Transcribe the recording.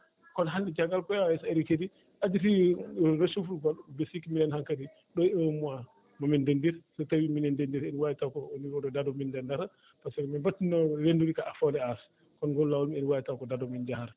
kono hannde caggal POAS eɓe keɗii aditii ressource goɗɗo mbi sikki minen han kadi ɗoo e un mois momin denndin so tawi so tawi minen dennditi ene waawi taw ko au niveau de date o min denndata par ce que no mbattuno ko fewde As kono ngol laawol ene waawi taw ko date o min jayata